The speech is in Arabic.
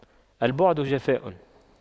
البعد جفاء